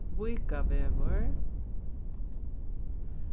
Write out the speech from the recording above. víkavegur